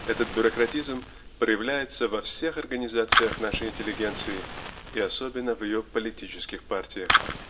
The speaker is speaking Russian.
Этот бюрократизм проявляется во всех организациях нашей интеллигенции и особенно в ее политических партиях.